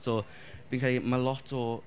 So fi'n credu mae lot o...